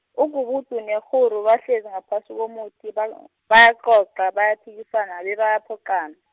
ugubudu nekghuru bahlezi ngaphasi komuthi, ba- bayacoca, bayaphikisana, bebayaphoqana.